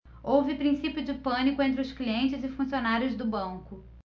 houve princípio de pânico entre os clientes e funcionários do banco